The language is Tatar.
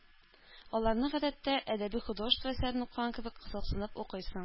Аларны, гадәттә, әдәби-художество әсәрен укыган кебек кызыксынып укыйсың.